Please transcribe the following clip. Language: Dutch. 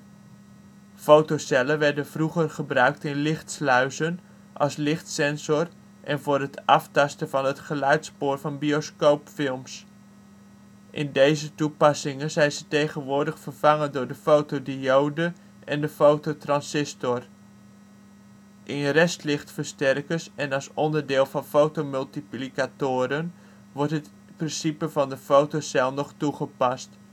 Fotocellen werden vroeger gebruikt in lichtsluizen, als lichtsensor en voor het aftasten van het geluidspoor van bioscoopfilms. In deze toepassingen zijn ze tegenwoordig vervangen door de fotodiode en de fototransistor. In restlichtversterkers en als onderdeel van fotomultiplicatoren wordt het principe van de fotocel nog toegepast